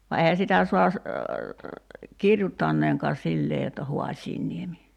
vaan eihän sitä saa - kirjoittaakaan sillä tavalla jotta Hoasianniemi